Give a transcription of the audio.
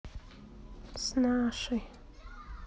с нашей